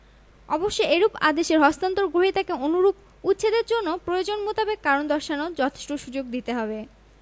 অবশ্য এরূপ আদেশের হস্তান্তর গ্রহীতাকে অনুরূপ উচ্ছেদের জন্য প্রয়োজন মোতাবেক কারণ দর্শানোর যথেষ্ট সুযোগ দিতে হবে